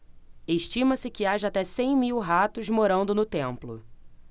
estima-se que haja até cem mil ratos morando no templo